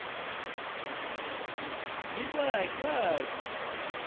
дизлайк лайк